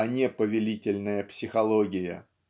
а не повелительная психология.